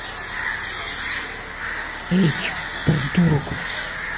эй придурок